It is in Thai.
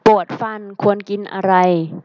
ปวดฟันควรกินอะไร